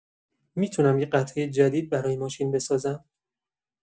می‌تونم یه قطعه جدید برای ماشین بسازم؟